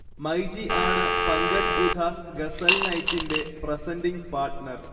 മൈജി ആണ് പങ്കജ് ഉധാസ് ഗസൽ നൈറ്റിന്റെ പ്രസന്റിംഗ് പാട്ണർ